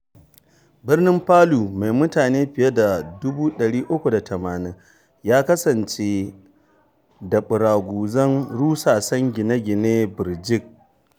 Birnin Palu, mai mutane fiye da 380,000, ya kasance da ɓaraƙuzan rusassun gine-gine birjit.